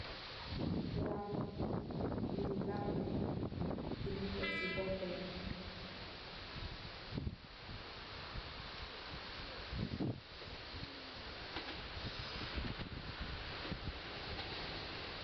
Lampu lii Lampu la bu nyuy tek si bopu Lâl